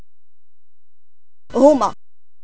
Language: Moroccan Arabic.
روما